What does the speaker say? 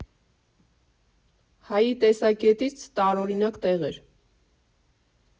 Հայի տեսակետից տարօրինակ տեղ էր։